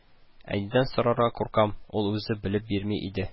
Әнидән сорарга куркам, ул үзе белеп бирми иде